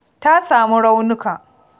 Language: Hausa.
Ta samu raunuka.